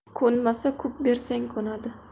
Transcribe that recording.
ko'nmasga ko'p bersang ko'nadi